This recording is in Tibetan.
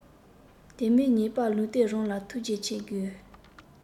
དེ མིན ཉེས པ ལུས སྟེང རང ལ ཐུགས རྗེ ཆེ དགོས